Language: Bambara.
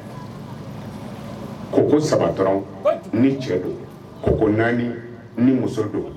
Ko ko saba dɔrɔn ni cɛ don ko ko naani ni muso don